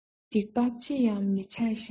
སྡིག པ ཅི ཡང མི བྱ ཞིང